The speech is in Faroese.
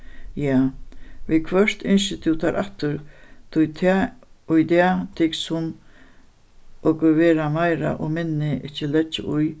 ja viðhvørt ynskir tú teir aftur tí tað í dag sum okur verða meira og minni ikki leggja í